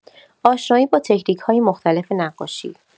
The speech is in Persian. آشنایی با تکنیک‌های مختلف نقاشی